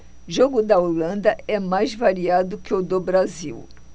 jogo da holanda é mais variado que o do brasil